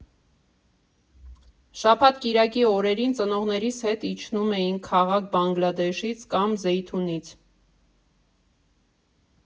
Շաբաթ֊կիրակի օրերին ծնողներիս հետ իջնում էինք քաղաք Բանգլադեշից կամ Զեյթունից։